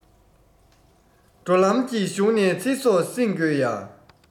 འགྲོ ལམ གྱི གཞུང ནས ཚེ སྲོག བསྲིངས དགོས ཡ